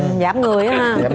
ừ giảm người á ha